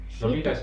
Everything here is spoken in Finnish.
sitten